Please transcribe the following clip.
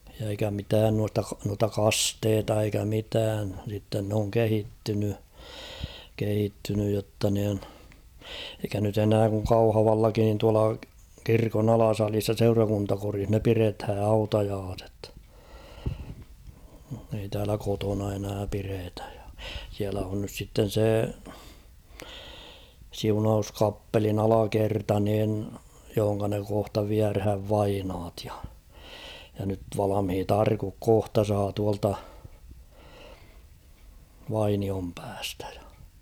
ja eikä mitään noista - noita kasteita eikä mitään sitten ne on kehittynyt kehittynyt jotta niin eikä nyt enää kun Kauhavallakin niin tuolla kirkon alasalissa ja seurakuntakodissa ne pidetään hautajaiset ei täällä kotona enää pidetä ja siellä on nyt sitten se siunauskappelin alakerta niin johon ne kohta viedään vainajat ja ja nyt valmiit arkut kohta saa tuolta Vainionpäästä